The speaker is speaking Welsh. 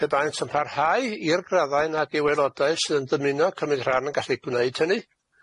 Pe baent yn parhau i'r graddau nad yw aelodau sydd yn dymuno cymryd rhan yn gallu gwneud hynny,